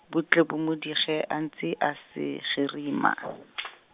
bo tle bo mo dige a ntse a se gerima .